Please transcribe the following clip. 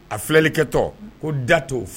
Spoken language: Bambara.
A filɛlikɛ tɔ ko dato